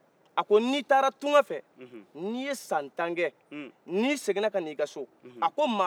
n'i seginnan kana i ka so a ko ma fɔlɔfɔlɔ min b'i reconu na b'i dɔn a ko y'i ka wulu ye dɛ